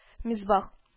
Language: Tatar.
Мисбах